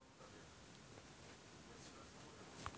про екатерину